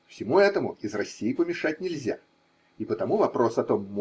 Всему этому из России помешать нельзя, и потому вопрос о том.